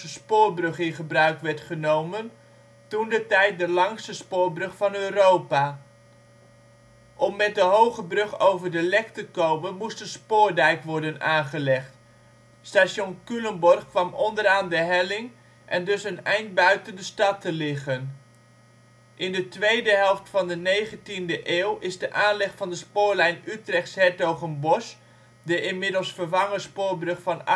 spoorbrug in gebruik werd genomen, toentertijd de langste spoorbrug van Europa. Om met de hoge brug over de Lek te komen moest een spoordijk worden aangelegd; Station Culemborg kwam onderaan de helling en dus een eind buiten de stad te liggen. In de tweede helft van de 19e eeuw is de aanleg van de spoorlijn Utrecht -' s-Hertogenbosch (de inmiddels vervangen spoorbrug van